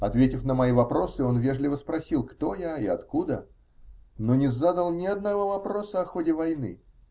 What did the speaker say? Ответив на мои вопросы, он вежливо спросил, кто я и откуда, но не задал ни одного вопроса о ходе войны.